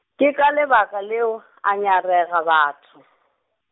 ke ka lebaka leo, a nyareago batho .